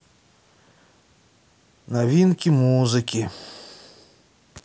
новинки в музыке